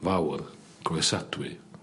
fawr